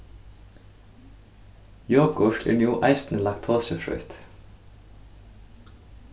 jogurt er nú eisini laktosufrítt